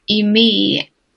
I mi,